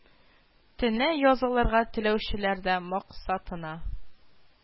Тенә язылырга теләүчеләр дә максатына